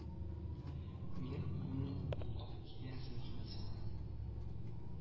Минем улымны олылап килгәнсең, рәхмәт сиңа